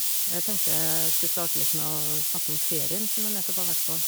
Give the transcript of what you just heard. Jeg tenkte jeg skulle starte litt med å snakke om ferien som jeg nettopp har vært på.